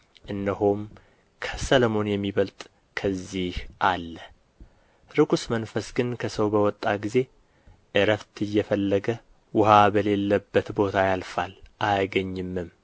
እነሆም ከሰሎሞን የሚበልጥ ከዚህ አለ ርኩስ መንፈስ ግን ከሰው በወጣ ጊዜ ዕረፍት እየፈለገ ውኃ በሌለበት ቦታ ያልፋል አያገኝምም